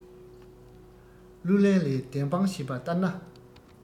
ལག ལེན ལས བདེན དཔང བྱས པ ལྟར ན